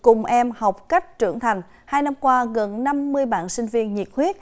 cùng em học cách trưởng thành hai năm qua gần năm mươi bạn sinh viên nhiệt huyết